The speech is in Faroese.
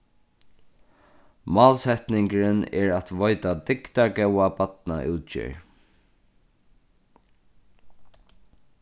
málsetningurin er at veita dygdargóða barnaútgerð